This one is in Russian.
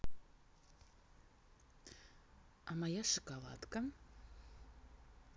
а моя шоколадка